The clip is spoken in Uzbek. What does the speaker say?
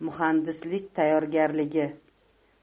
muhandislik tayyorgarligi